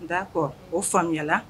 N'a kɔ o faamuyala